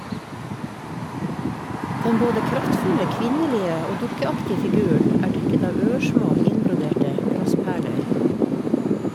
Den både kraftfulle, kvinnelige og dukkeaktige figuren er dekket av ørsmå, innbroderte glassperler.